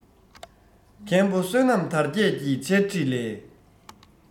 མཁན པོ བསོད ནམས དར རྒྱས ཀྱིས འཆད ཁྲིད ལས